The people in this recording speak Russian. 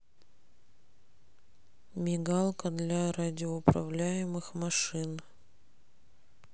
мигалка для радиоуправляемых машин